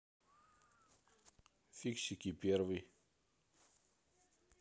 фиксики первый